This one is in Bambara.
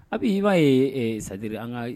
A bɛ i b'a ye sadiri an ka